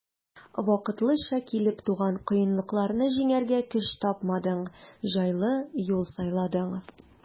Вакытлыча килеп туган кыенлыкларны җиңәргә көч тапмадың, җайлы юл сайладың.